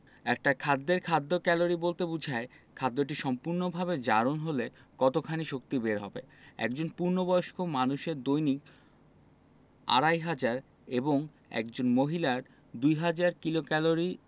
একটা খাদ্যের খাদ্য ক্যালোরি বলতে বোঝায় খাদ্যটি সম্পূর্ণভাবে জারণ হলে কতখানি শক্তি বের হবে একজন পূর্ণবয়স্ক মানুষের দৈনিক ২৫০০ এবং একজন মহিলার ২০০০ কিলোক্যালরি